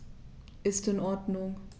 Ist in Ordnung.